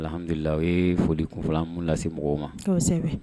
Alihamdulilah o yee foli kunfɔlɔ ye an b'o lase mɔgɔw ma kosɛbɛ